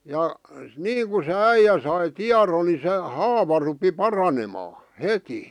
ja niin kuin se äijä sai tiedon niin se haava rupesi paranemaan heti